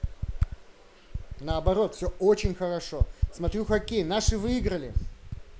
наоборот все очень хорошо смотрю хоккей наши выиграли